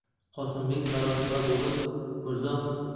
qosimbek sarosima bo'lib mirzom